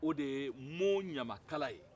o de ye mot ɲamakala ye